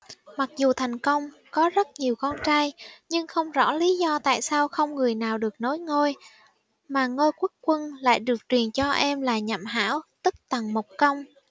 mặc dù thành công có rất nhiều con trai nhưng không rõ lý do tại sao không người nào được nối ngôi mà ngôi quốc quân lại được truyền cho em là nhậm hảo tức tần mục công